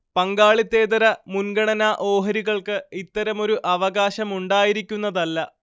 പങ്കാളിത്തേതര മുൻഗണനാ ഓഹരികൾക്ക് ഇത്തരമൊരു അവകാശമുണ്ടായിരിക്കുന്നതല്ല